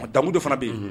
Damu dɔ fana bɛ yen, unhun.